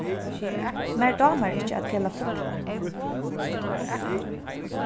mær dámar ikki at kela fuglar